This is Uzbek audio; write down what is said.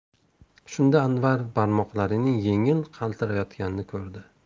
shunda anvar barmoqlarning yengil qaltirayotganini ko'rdi